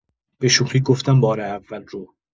به‌شوخی گفتم بار اول رو